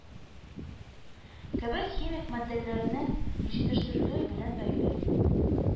Кебек химик матдәләрнең җитештерелүе белән бәйле